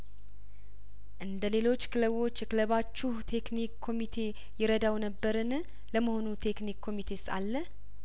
እንደ ሌሎች ክለቦች የክለባችሁ ቴክኒክ ኮሚቴ ይረዳው ነበርን ለመሆኑ ቴክኒክ ኮሚቴ ስአለ